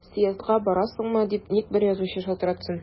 Съездга барасыңмы дип ник бер язучы шалтыратсын!